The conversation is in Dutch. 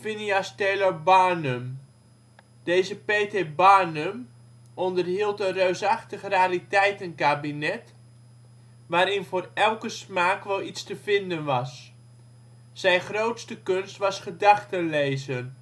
Phineas Taylor Barnum. Deze P. T. Barnum onderhield een reusachtig rariteitenkabinet, waarin voor elke smaak wel iets te vinden was. Zijn grootste kunst was gedachten lezen